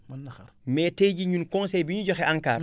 mën na xaar mais tey jii ñun conseil bi ñuy joxe ANCAR